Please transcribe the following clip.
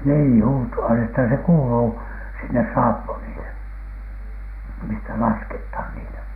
niin huutoa että se kuuluu sinne saappanille mistä lasketaan niitä